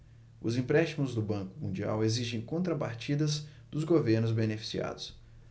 os empréstimos do banco mundial exigem contrapartidas dos governos beneficiados